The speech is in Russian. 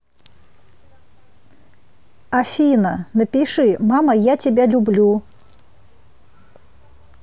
афина напиши мама я тебя люблю